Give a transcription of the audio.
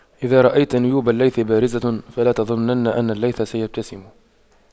إذا رأيت نيوب الليث بارزة فلا تظنن أن الليث يبتسم